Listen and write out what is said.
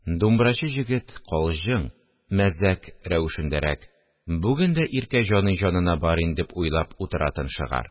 Думбрачы җегет калҗың (мәзәк) рәвешендәрәк: – Бүген дә Иркә-җаный җанына барин дип уйлап утыратын шыгар